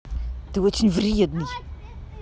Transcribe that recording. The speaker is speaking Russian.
ты очень вредный